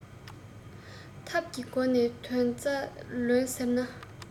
ཐབས ཀྱི སྒོ ནས དོན རྩ ལོན ཟེར ན